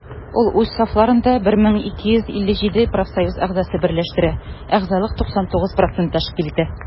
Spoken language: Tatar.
Ул үз сафларында 1257 профсоюз әгъзасын берләштерә, әгъзалык 99 % тәшкил итә.